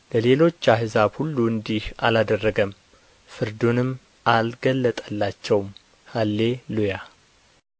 ለሌሎች አሕዛብ ሁሉ እንዲህ አላደረገም ፍርዱንም አልገለጠላቸውም ሃሌ ሉያ